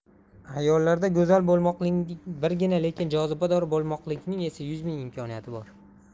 ayollarda go'zal bo'lmoqlikning birgina lekin jozibador bo'lmoqlikning esa yuz ming imkoniyati bor